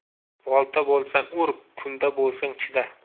bolta bo'lsang ur kunda bo'lsang chida